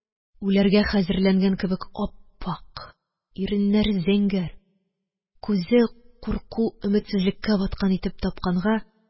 Үләргә хәзерләнгән кебек ап-ак, иреннәре зәңгәр, күзе курку, өметсезлеккә баткан итеп тапканга,